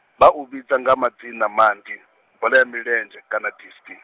vha u vhidza nga madzina manzhi, boḽa ya milenzhe, kana diski.